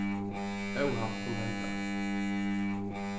óhapp kunnu henda